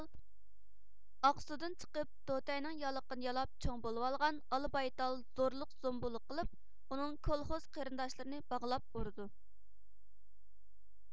ئاقسۇدىن چىقىپ دوتەينىڭ يالىقىنى يالاپ چوڭ بولۇۋالغان ئالا بايتال زورلۇق زومبۇلۇق قىلىپ ئۇنىڭ كولخوز قېرىنداشلىرىنى باغلاپ ئۇرىدۇ